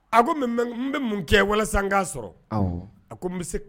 A n bɛ mun kɛ walasa sɔrɔ a n se